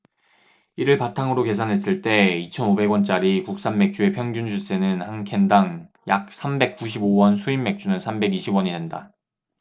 이를 바탕으로 계산했을 때 이천 오백 원짜리 국산맥주의 평균 주세는 한 캔 당 약 삼백 구십 오 원 수입맥주는 삼백 이십 원이된다